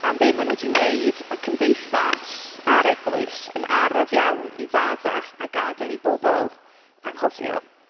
Am be maen nhw 'di wneud, ma' cymdeithas, a'r eglwys, yn araf iawn i faddau a gadael i bobl anghofio.